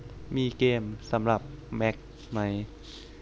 มีเกมสำหรับแมคไหม